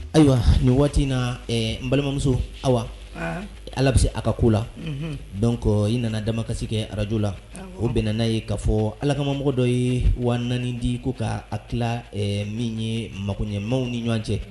Ayiwa nin waati in na n balimamuso aw ala bɛ se a ka ko la dɔn kɔ i nana dama ka se kɛ arajo la o bɛn n'a ye k'a fɔ alak kamamamɔgɔ dɔ ye wa di ko ka a tila min ye mago ɲɛ maaww ni ɲɔgɔn cɛ